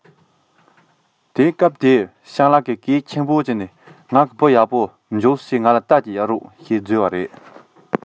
སྐབས དེར སྤྱང ལགས ཀྱིས སྐད ཤུགས ཆེན པོས ངའི བུ ཡག པོ མགྱོགས པོ ང ལ རྟ གཅིག གཡར དང ཟེར སྐད རྒྱབ པ རེད